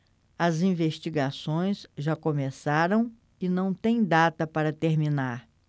as investigações já começaram e não têm data para terminar